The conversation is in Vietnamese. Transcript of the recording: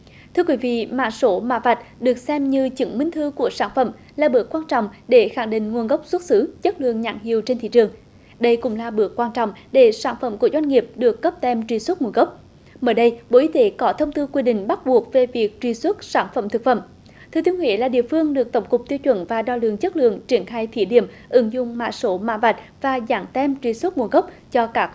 thưa quý vị mã số mã vạch được xem như chứng minh thư của sản phẩm là bước quan trọng để khẳng định nguồn gốc xuất xứ chất lượng nhãn hiệu trên thị trường đây cũng là bước quan trọng để sản phẩm của doanh nghiệp được cấp tem truy xuất nguồn gốc mới đây bộ y tế có thông tư quy định bắt buộc về việc truy xuất sản phẩm thực phẩm thừa thiên huế là địa phương được tổng cục tiêu chuẩn và đo lường chất lượng triển khai thí điểm ứng dụng mã số mã vạch và dán tem truy xuất nguồn gốc cho cả